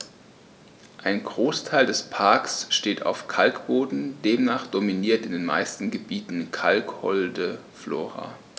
Ein Großteil des Parks steht auf Kalkboden, demnach dominiert in den meisten Gebieten kalkholde Flora.